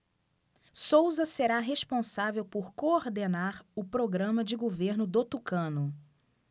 souza será responsável por coordenar o programa de governo do tucano